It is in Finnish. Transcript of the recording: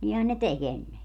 niinhän ne teki ennen